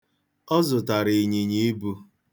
Ọ zụtara ịnyịnyiibu.